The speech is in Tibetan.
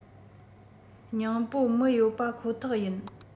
ཉིང པོ མི ཡོད པ ཁོ ཐག ཡིན